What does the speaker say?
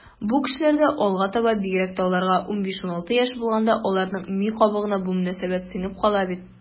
Бу кешеләрдә алга таба, бигрәк тә аларга 15-16 яшь булганда, аларның ми кабыгына бу мөнәсәбәт сеңеп кала бит.